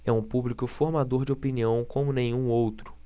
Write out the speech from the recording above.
é um público formador de opinião como nenhum outro